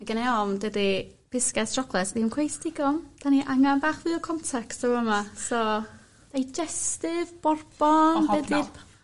mae gennai ofn dydi bisgeds siocled ddim cweit digon 'dan ni angan bach fwy o context y' fama. So digestive bourbon...O hobknob. ...be' 'di'r